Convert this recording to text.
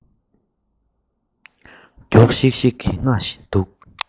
མགྱོགས ཤིག ཤིག གིས རྔ བཞིན འདུག